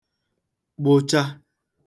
gbụcha